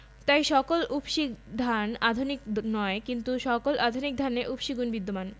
তাই সকল উফশী ধান আধুনিক নয় কিন্তু সকল আধুনিক ধানে উফশী গুণ বিদ্যমান